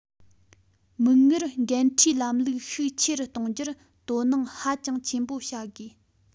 མིག སྔར འགན འཁྲིའི ལམ ལུགས ཤུགས ཆེ རུ གཏོང རྒྱུར དོ སྣང ཧ ཅང ཆེན པོ བྱ དགོས